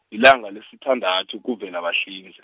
lilanga lesithandathu kuVelabahlinze.